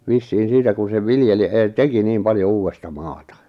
vissiin siitä kun sen viljeli etenkin niin paljon uutta maata